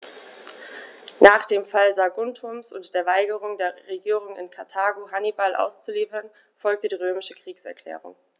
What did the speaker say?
Nach dem Fall Saguntums und der Weigerung der Regierung in Karthago, Hannibal auszuliefern, folgte die römische Kriegserklärung.